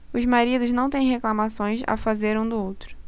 os maridos não têm reclamações a fazer um do outro